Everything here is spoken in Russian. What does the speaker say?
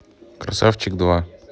красавчик два